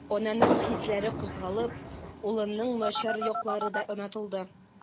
Ананың хисләре кузгалып, улының начар яклары да онытылды.